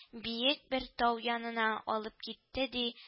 Биек бер тау янына алып китте, ди